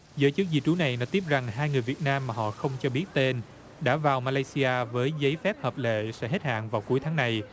giới chức di trú này nói tiếp rằng hai người việt nam mà họ không cho biết tên đã vào ma lay si a với giấy phép hợp lệ sẽ hết hạn vào cuối tháng này